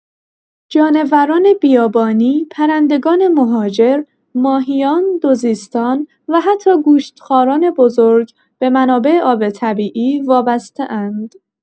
جانوران بیابانی، پرندگان مهاجر، ماهیان، دوزیستان و حتی گوشت‌خواران بزرگ به منابع آب طبیعی وابسته‌اند.